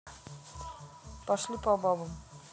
пошли по бабам